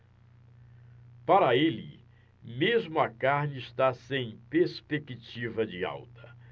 para ele mesmo a carne está sem perspectiva de alta